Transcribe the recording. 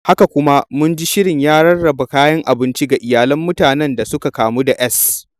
Haka kuma mun ji shirin ya rarraba kayan abinci ga iyalan mutanen da suka kamu da Es.